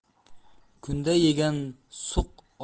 kunda yegan suq